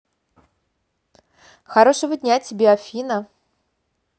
хорошего дня тебе афина